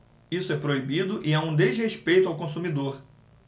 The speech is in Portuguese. isso é proibido e é um desrespeito ao consumidor